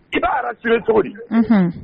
I' tile cogo di un